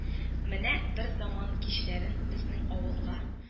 Менә берзаман кичләрен безнең авылга